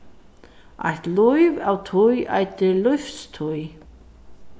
eitt lív av tíð eitur lívstíð